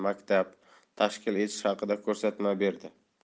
maktab tashkil etish haqida ko'rsatma berdi